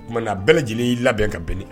O tumaumana na bɛɛ lajɛlen'i labɛn ka bɛni